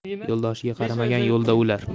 yo'ldoshiga qaramagan yo'lda o'lar